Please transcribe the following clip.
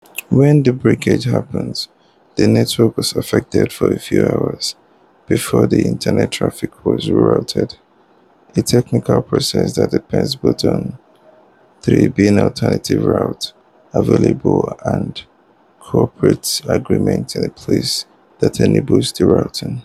When the breakages happened, the network was affected for a few hours before the internet traffic was rerouted; a technical process that depends both on there being alternative routes available and corporate agreements in place to enable the rerouting.